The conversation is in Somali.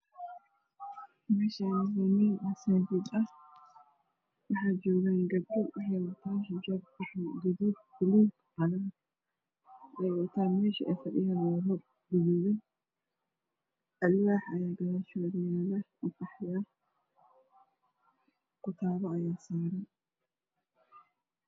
Meshaani waa meel misaajid ah waxaa jogan gabdho waxey wataan xijaab qaxawi gaduud baluug qalin mesha ey fadhiyaan waa hool gaduudan alwaax ayaa gadashod yaal oo qaxwi ah kutaabo ayaa saran